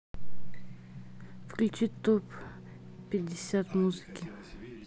включи топ пятьдесят музыки